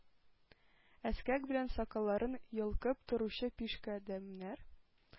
Эскәк белән сакалларын йолкып торучы пишкадәмнәр,